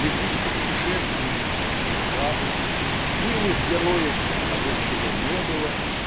лягушку-путешественницу и жабу милых героев "Того чего не было"